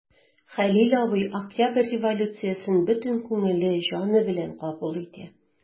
Хәлил абый Октябрь революциясен бөтен күңеле, җаны белән кабул итә.